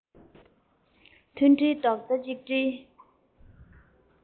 མཐུན སྒྲིལ རྡོག རྩ གཅིག སྒྲིལ